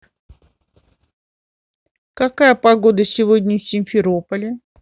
какая погода сегодня в симферополе